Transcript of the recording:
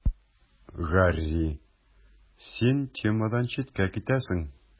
Гарри: Син темадан читкә китәсең.